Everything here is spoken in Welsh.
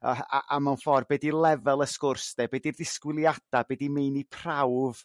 yrr h- a a mewn ffor' be' 'di lefel y sgwrs 'de be' 'di'r disgwyliada' be 'di meini prawf